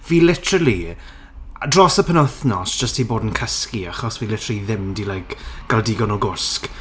Fi literally dros y penwythnos, jyst 'di bod yn cysgu achos fi literally ddim 'di like, gael digon o gwsg.